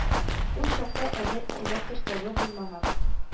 Ул чакта әле электр тогы булмаган